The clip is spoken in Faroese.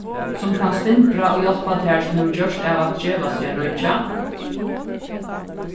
sum kann strimbra og hjálpa tær sum hevur gjørt av at gevast við at roykja